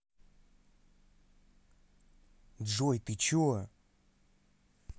джой ты че